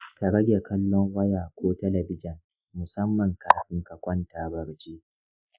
ka rage kallon waya ko talbijan, musamman kafin ka kwanta barci.